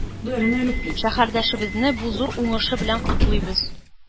Шәһәрдәшебезне бу зур уңышы белән котлыйбыз,